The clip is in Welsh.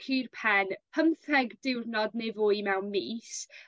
cur pen pymtheg diwrnod ne' fwy mewn mis